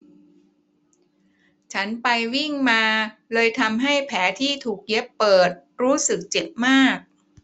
ฉันไปวิ่งมาเลยทำให้แผลที่ถูกเย็บเปิดรู้สึกเจ็บมาก